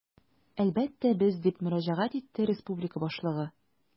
Әлбәттә, без, - дип мөрәҗәгать итте республика башлыгы.